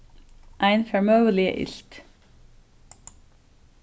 ein fær møguliga ilt